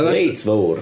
Ma' reit fowr.